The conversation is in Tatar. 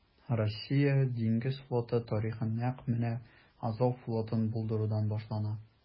Россия диңгез флоты тарихы нәкъ менә Азов флотын булдырудан башлана.